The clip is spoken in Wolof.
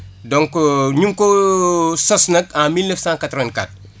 donc ñu ngi ko sas nag en mille neuf cent quatre vingt quatre